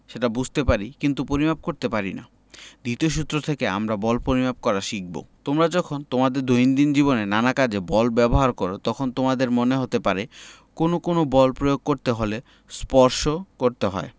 সেটা বুঝতে পারি কিন্তু পরিমাপ করতে পারি না দ্বিতীয় সূত্র থেকে আমরা বল পরিমাপ করা শিখব তোমরা যখন তোমাদের দৈনন্দিন জীবনে নানা কাজে বল ব্যবহার করো তখন তোমাদের মনে হতে পারে কোনো কোনো বল প্রয়োগ করতে হলে স্পর্শ করতে হয়